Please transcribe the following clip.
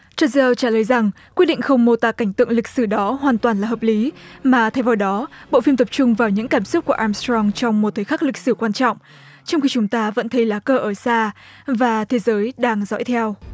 choa dơ thấy rằng quyết định không mô tả cảnh tượng lịch sử đó hoàn toàn là hợp lý mà thay vào đó bộ phim tập trung vào những cảm xúc của am sờ trong trong một thời khắc lịch sử quan trọng trong khi chúng ta vẫn thấy lá cờ ở xa và thế giới đang dõi theo